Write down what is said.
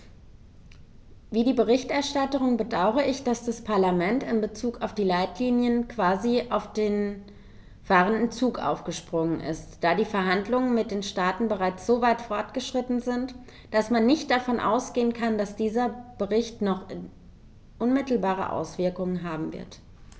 Wie die Berichterstatterin bedaure ich, dass das Parlament in bezug auf die Leitlinien quasi auf den fahrenden Zug aufgesprungen ist, da die Verhandlungen mit den Staaten bereits so weit fortgeschritten sind, dass man nicht davon ausgehen kann, dass dieser Bericht noch unmittelbare Auswirkungen haben wird.